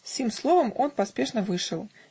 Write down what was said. С сим словом он поспешно вышел